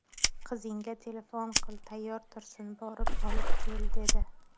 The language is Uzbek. qizingga telefon qil tayyor tursin borib olib kel dedi